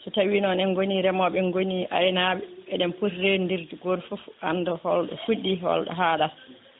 so tawi noon en gooni remoɓe en gooni aynaɓe eɗen pooti rendirde goto foof anda holɗo fuɗɗi e holɗo haɗata